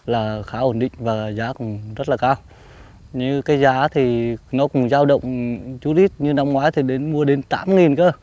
là khá ổn định và giá cũng rất là cao như cái giá thì nó cũng dao động chút ít như năm ngoái thì đến mua đến tám nghìn cơ